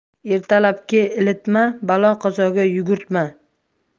ertalabki ilitma balo qazoga yugurtma